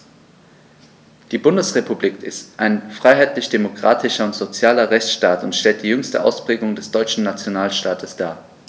Die Bundesrepublik ist ein freiheitlich-demokratischer und sozialer Rechtsstaat und stellt die jüngste Ausprägung des deutschen Nationalstaates dar.